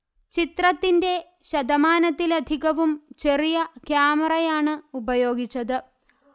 ചിത്രത്തിന്റെ ശതമാനത്തിലധികവും ചെറിയ ക്യാമറയാണ് ഉപയോഗിച്ചത്